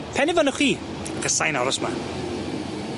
Pendefynnwch chi, achos sai'n aros 'ma.